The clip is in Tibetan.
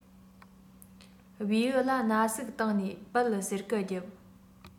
བེའུ ལ ན ཟུག བཏང ནས སྦད ཟེར སྐད རྒྱབ